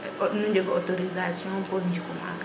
nu njega autorisation pour njiku maga